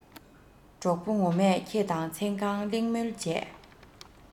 གྲོགས པོ ངོ མས ཁྱེད དང མཚན གང གླེང མོལ བྱས